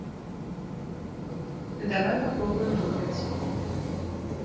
давай попробуем выбрать